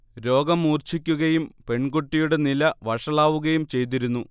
രോഗം മൂർഛിക്കുകയും പെൺകുട്ടിയുടെ നില വഷളാവുകയും ചെയ്തിരുന്നു